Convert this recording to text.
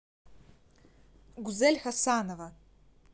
гузель хасанова